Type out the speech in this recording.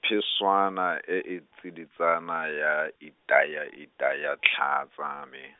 Phešwana e e tsiditsana ya itayaitaya tlhaa tsa me.